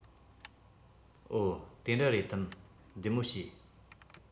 འོ དེ འདྲ རེད དམ བདེ མོ བྱོས